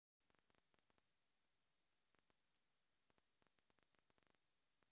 включи скрин сейвер